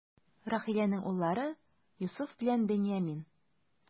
Рахиләнең уллары: Йосыф белән Беньямин.